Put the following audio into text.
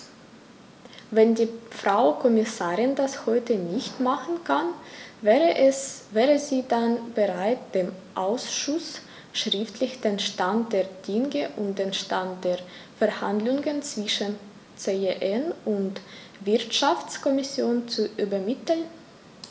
Wenn die Frau Kommissarin das heute nicht machen kann, wäre sie dann bereit, dem Ausschuss schriftlich den Stand der Dinge und den Stand der Verhandlungen zwischen CEN und Wirtschaftskommission zu übermitteln?